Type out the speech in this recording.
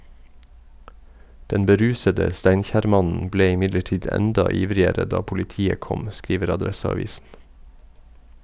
Den berusede Steinkjer-mannen ble imidlertid enda ivrigere da politiet kom, skriver Adresseavisen.